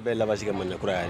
A bɛɛ laban ka mali kura yan ye